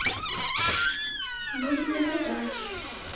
будем наблюдать